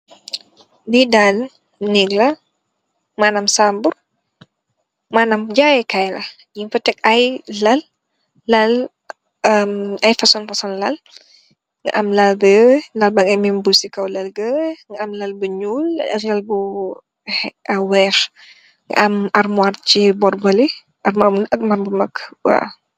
Lii daal neek la, manaam, jaayeekaay, ñuñ fa tek ay lal, ay fasong fasong, lal. Nga am lal bu ñuul ak weex. Am almuwaar ci boor bëlé, ak lal mu mag.